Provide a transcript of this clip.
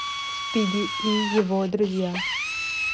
спиди и его друзья